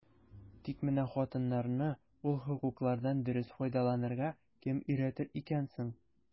Тик менә хатыннарны ул хокуклардан дөрес файдаланырга кем өйрәтер икән соң?